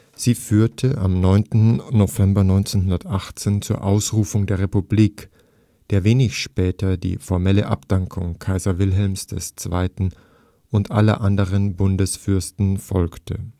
Sie führte am 9. November 1918 zur Ausrufung der Republik, der wenig später die formelle Abdankung Kaiser Wilhelms II. und aller anderen Bundesfürsten folgte